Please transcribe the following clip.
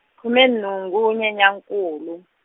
khume nhungu Nyenyankulu.